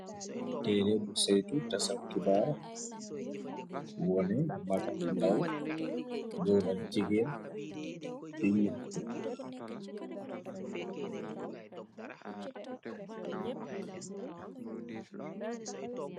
Teere bu saytu tasab xibaar, wone mag ak ndaw, goor ak jigeen di naxtu.